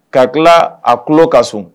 Ka tila a tulo ka sun